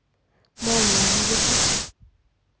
молния музыка